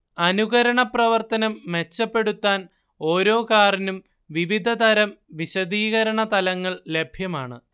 അനുകരണ പ്രവർത്തനം മെച്ചപ്പെടുത്താൻ ഓരോ കാറിനും വിവിധ തരം വിശദീകരണ തലങ്ങൾ ലഭ്യമാണ്